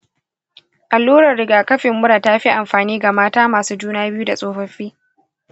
allurar rigakafin mura ta fi amfani ga mata masu juna biyu da tsofaffi.